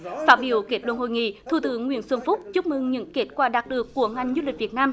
phát biểu kết luận hội nghị thủ tướng nguyễn xuân phúc chúc mừng những kết quả đạt được của ngành du lịch việt nam